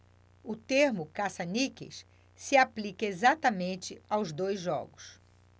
o termo caça-níqueis se aplica exatamente aos dois jogos